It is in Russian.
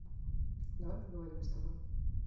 давай поговорим с тобой